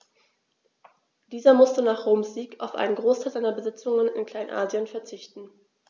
Dieser musste nach Roms Sieg auf einen Großteil seiner Besitzungen in Kleinasien verzichten.